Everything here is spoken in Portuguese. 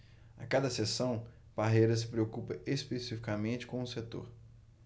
a cada sessão parreira se preocupa especificamente com um setor